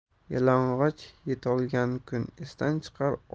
yalang'och yetolgan kun esdan chiqar